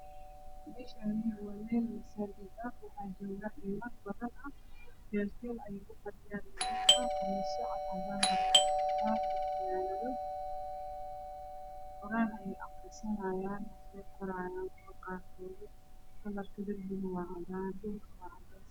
Meeshaan waa meel masaajid waxaa joogo niman badan roog ayay kufadhiyaan. Qamiisyo cadaan ah iyo fanaanado ayay wataan. Quraan ayay aqrisanahayaan qaarna wax bay qorahayaan. Kalarka darbiga waa cadaan dhulkuna waa cadeys.